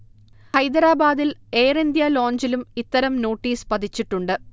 ഹൈദരാബാദിൽ എയർഇന്ത്യ ലോഞ്ചിലും ഇത്തരം നോട്ടീസ് പതിച്ചിട്ടുണ്ട്